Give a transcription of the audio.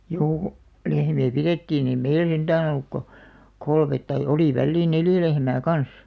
juu lehmiä pidettiin ei meillä sentään ollut kuin kolme tai oli väliin neljä lehmää kanssa